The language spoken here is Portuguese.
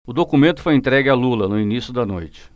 o documento foi entregue a lula no início da noite